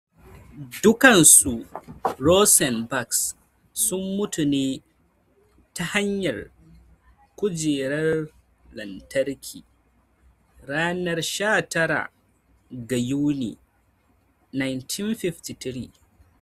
Dukansu Rosenbergs sun mutu ne ta hanyar kujerar lantarki ranar 19 ga Yuni, 1953.